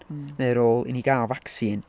Mm... neu ar ôl i ni gael vaccine...